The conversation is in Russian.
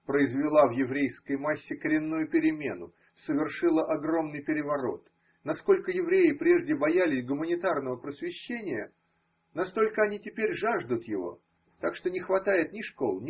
произвела в еврейской массе коренную перемену, совершила огромный переворот: насколько евреи прежде боялись гуманитарного просвещения, настолько они теперь жаждут его. так что не хватает ни школ.